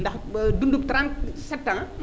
ndax dund 37 ans